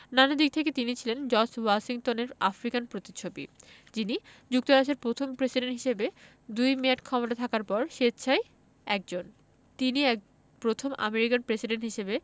নানা দিক থেকে তিনি ছিলেন জর্জ ওয়াশিংটনের আফ্রিকান প্রতিচ্ছবি যিনি যুক্তরাষ্ট্রের প্রথম প্রেসিডেন্ট হিসেবে দুই মেয়াদ ক্ষমতায় থাকার পর স্বেচ্ছায় একজন তিনি প্রথম আমেরিকার প্রেসিডেন্ট হিসেবে